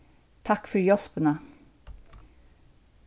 takk fyri hjálpina